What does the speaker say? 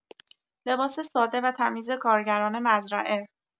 لباس ساده و تمیز کارگران مزرعه